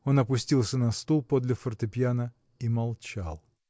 Он опустился на стул подле фортепиано и молчал.